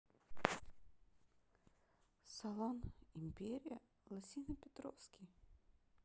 салон империя лосинопетровский